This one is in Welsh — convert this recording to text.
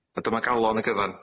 A dyma galon y gyfan.